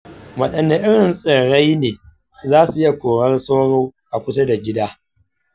waɗanne irin tsirrai ne zasu iya korar sauro a kusa da gida ?